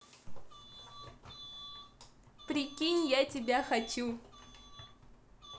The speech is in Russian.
прикинь я тебя хочу